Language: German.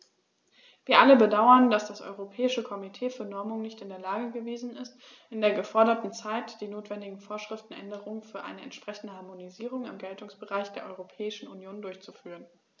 Wir alle bedauern, dass das Europäische Komitee für Normung nicht in der Lage gewesen ist, in der geforderten Zeit die notwendige Vorschriftenänderung für eine entsprechende Harmonisierung im Geltungsbereich der Europäischen Union durchzuführen.